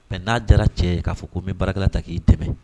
Mais n'a diyara cɛ ye k'a fɔ ko n be baarakɛla ta k'i dɛmɛ